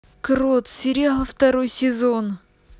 крот сериал второй сезон